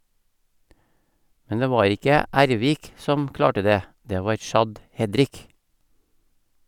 Men det var ikke Ervik som klarte det , det var Chad Hedrick.